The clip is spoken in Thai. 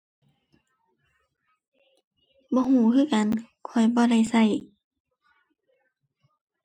บ่รู้คือกัน ข้อยบ่ได้รู้